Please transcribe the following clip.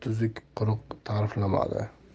tuzuk quruq tariflamadi